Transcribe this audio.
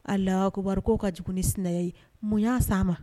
Allahou Akbarou k'o ka jugu ni sinaya ye. Mun y'a se an ma?